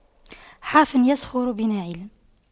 حافٍ يسخر بناعل